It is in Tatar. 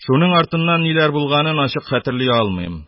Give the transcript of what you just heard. Шуның артыннан ниләр булганын ачык хәтерли алмыйм.